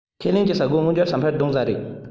ཁས ལེན གྱིས བྱ རྒོད མངོན འགྱུར བྱ འཕུར ལྡང བྱ རྒོད